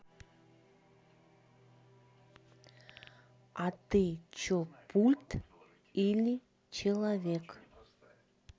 а ты че пульт или человек